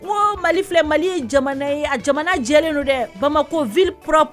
Woo mali filɛ mali ye jamana ye a jamana jɛlen don dɛ bamako ville propre .